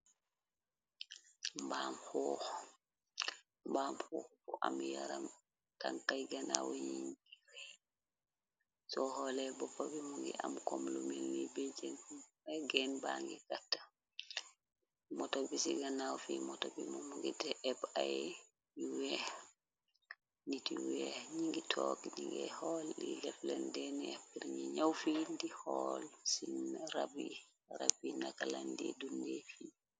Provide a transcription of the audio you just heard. mbaam xuux bu am yaram kankay ganaawe yi ngir so xoole boppa bi mu ngi am kom lu melni biejegeen ba ngi kat moto bi ci ganaaw fi moto bi mum ngite ep ay yu weex nit yu weex ñi ngi toog dingay xool li deflen deen epprni ñaw fi di xool cin rab rab yi nakalandi dunde fi